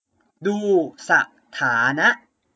ดูสถานะ